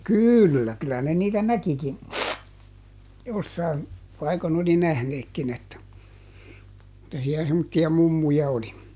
kyllä kyllä ne niitä näkikin jossakin paikon oli nähneetkin että että siellä semmoisia mummuja oli